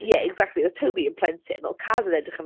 Ie exactly. Oedd Toby yn plentyn. Oedd Kaz yn edrych am...